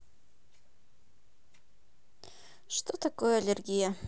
что такое аллергия